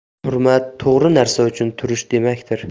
hurmat to'g'ri narsa uchun turish demakdir